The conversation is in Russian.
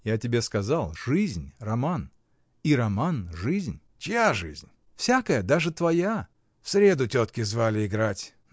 — Я тебе сказал: жизнь — роман, и роман — жизнь. — Чья жизнь? — Всякая, даже твоя! — В среду тетки звали играть.